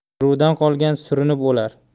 suruvdan qolgan surinib o'lar